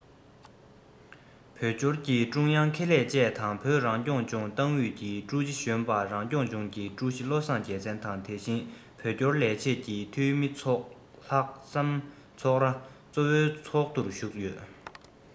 བོད སྐྱོར གྱི ཀྲུང དབྱང ཁེ ལས བཅས དང བོད རང སྐྱོང ལྗོངས ཏང ཨུད ཀྱི ཧྲུའུ ཅི གཞོན པ རང སྐྱོང ལྗོངས ཀྱི ཀྲུའུ ཞི བློ བཟང རྒྱལ མཚན དང དེ བཞིན བོད སྐྱོར ལས བྱེད ཀྱི འཐུས མི སོགས ལྷག ཙམ ཚོགས ར གཙོ བོའི ཚོགས འདུར ཞུགས ཡོད